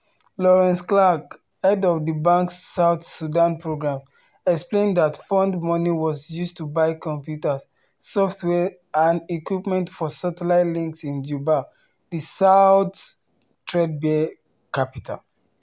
Laurence Clarke, head of the bank's south Sudan programme, explains that fund money was used to buy computers, software and equipment for satellite links in Juba, the south's threadbare capital.